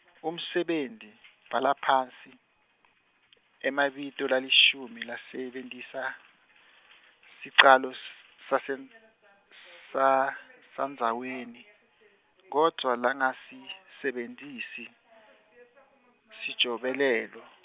umsebenti, bhala phasi, emabito lalishumi lasebentisa sicalo sas- sasen- sa- sandzaweni, kodvwa langasisebentisi, sijobelelo.